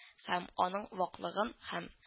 Һәм аның ваклыгын һәм